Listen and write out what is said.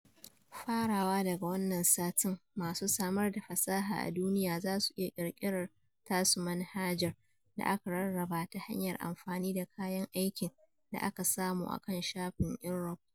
Farawa daga wannan satin, masu samar da fasaha a duniya za su iya ƙirƙirar tasu manhajar da aka rarrabe ta hanyar amfani da kayan aikin da aka samu akan shafin Inrupt.